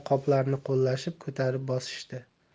qoplarni qo'llashib ko'tarib bosishdi